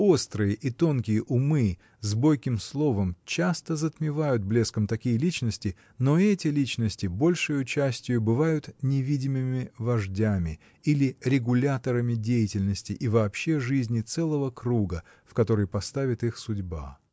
Острые и тонкие умы, с бойким словом, часто затмевают блеском такие личности, но эти личности, большею частию, бывают невидимыми вождями или регуляторами деятельности и вообще жизни целого круга, в который поставит их судьба.